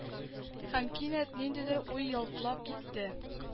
Һәм кинәт ниндидер уй ялтлап китте